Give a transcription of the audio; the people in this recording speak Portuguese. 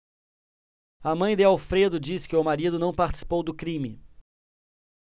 a mãe de alfredo diz que o marido não participou do crime